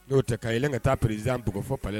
N'o tɛ ka yɛlɛn ka taa président bugɔ fɔ palais